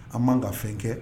A man ka fɛn kɛ